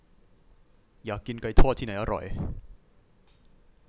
อยากกินไก่ทอดที่ไหนอร่อย